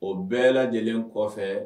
O bɛɛ lajɛlen kɔfɛ